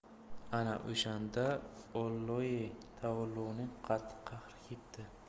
ana o'shanda olloyi taoloning qattiq qahri kepti